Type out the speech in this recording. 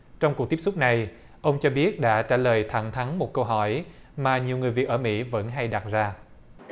trong cuộc tiếp xúc này ông cho biết đã trả lời thẳng thắn một câu hỏi mà nhiều người việt ở mỹ vẫn hay đặt ra